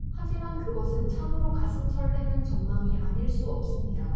하지만 그것은 참으로 가슴 설레는 전망이 아닐 수 없습니다